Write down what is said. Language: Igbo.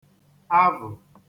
avụ̀